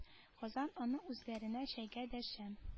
Казан аны үзләренә чәйгә дәшә